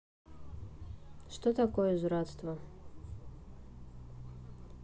что такое извратство